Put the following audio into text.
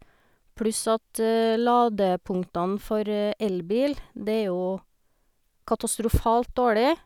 Pluss at ladepunktene for elbil, det er jo katastrofalt dårlig.